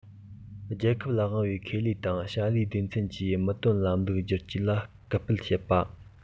རྒྱལ ཁབ ལ དབང བའི ཁེ ལས དང བྱ ལས སྡེ ཚན གྱི མི དོན ལམ ལུགས བསྒྱུར བཅོས ལ སྐུལ སྤེལ བྱེད པ